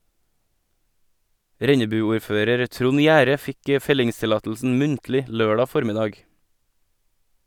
Rennebu-ordfører Trond Jære fikk fellingstillatelsen muntlig lørdag formiddag.